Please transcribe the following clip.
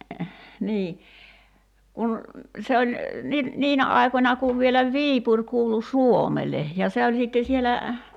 niin kun se oli - niinä aikoina kun vielä Viipuri kuului Suomelle ja se oli sitten siellä